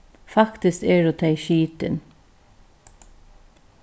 faktiskt eru tey skitin